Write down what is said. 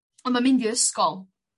On' ma' mynd i'r ysgol